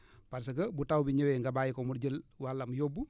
parce que bu taw bi ñëwee nga nga bàyyi ko mu jël wàllam yóbbu